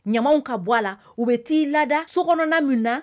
Ɲamaw ka bɔ a la u bɛ taa'i laadada so kɔnɔna min na